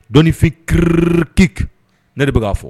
Dɔnifin kiririti ne de bɛ k'a fɔ